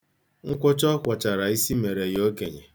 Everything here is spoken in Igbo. Nkwọcha ọ kwọchara isi mere ya okenye.